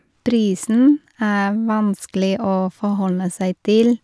Prisen er vanskelig å forholde seg til.